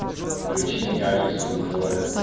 включи мне алису и джоя